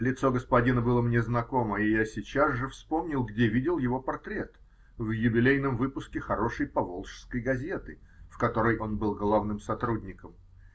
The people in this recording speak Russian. Лицо господина было мне знакомо, и я сейчас же вспомнил, где видел его портрет: в юбилейном выпуске хорошей поволжской газеты, в которой он был главным сотрудником.